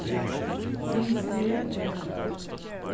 sundsvegur